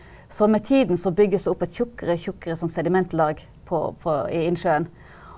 så med tiden så bygges det opp et tjukkere tjukkere sånn sedimentlag på på i innsjøen.